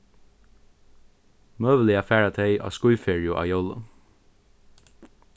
møguliga fara tey á skíðferiu á jólum